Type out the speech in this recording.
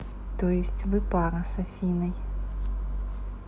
то есть вы пара с афиной